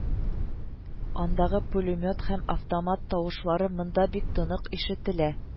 Андагы пулемет һәм автомат тавышлары монда бик тонык ишетелә